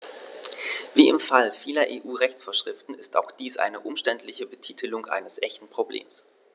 Wie im Fall vieler EU-Rechtsvorschriften ist auch dies eine umständliche Betitelung eines echten Problems.